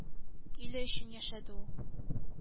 Иле өчен яшәде ул